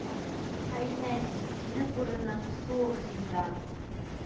«хаинә син! синең урының — суык зиндан!»